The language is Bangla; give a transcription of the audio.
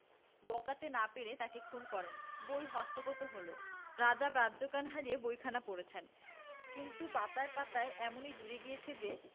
বাগাতে না পেরে তাঁকে খুন করেন বই হস্তগত হল রাজা বাহ্যজ্ঞান হারিয়ে বইখানা পড়ছেন কিন্তু পাতায় পাতায় এমনি জুড়ে গিয়েছে যে